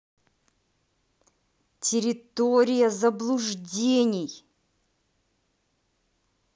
территория заблуждений